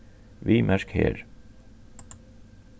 viðmerk her